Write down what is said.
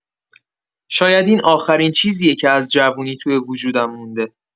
شاید این آخرین چیزیه که از جوونی توی وجودم مونده.